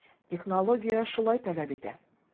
Технология шулай таләп итә.